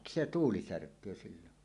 se tuuli särkee silloin